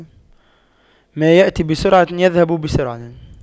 ما يأتي بسرعة يذهب بسرعة